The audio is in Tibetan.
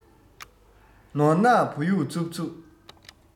ནོར ནག བུ ཡུག ཚུབ ཚུབ